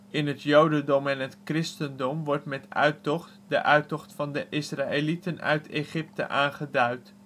In het jodendom en het christendom wordt met " uittocht " de uittocht van de Israëlieten uit Egypte aangeduid